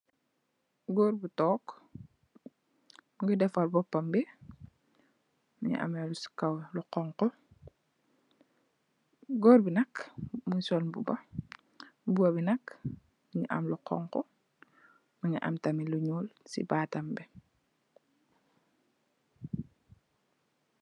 Goor gu toog, mingi defar boppam bi, mingi amme si kaw lu xonxu, goor bi nak mingi sol mbuba, mbuba bi nak mingi am lu xonxu, mingi am tamit lu nyuul si baatam bi.